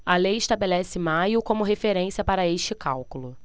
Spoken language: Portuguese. a lei estabelece maio como referência para este cálculo